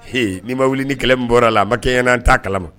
H nii ma wuli ni kɛlɛ min bɔra la makɛy an n taa kalama